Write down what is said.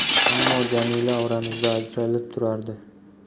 ammo jamila oramizda ajralib turardi